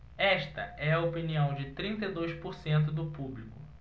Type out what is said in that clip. esta é a opinião de trinta e dois por cento do público